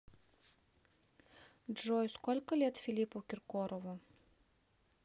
джой сколько лет филиппу киркорову